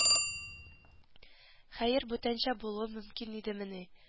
Хәер бүтәнчә булуы мөмкин идемени